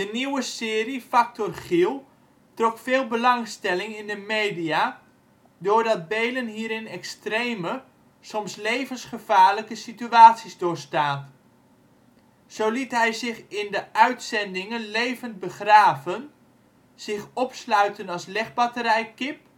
nieuwe serie Factor Giel trok veel belangstelling in de media doordat Beelen hierin extreme, soms levensgevaarlijke situaties doorstaat. Zo liet hij zich in de uitzendingen levend begraven, zich opsluiten als legbatterijkip